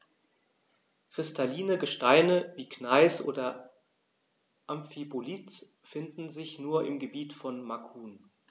Kristalline Gesteine wie Gneis oder Amphibolit finden sich nur im Gebiet von Macun.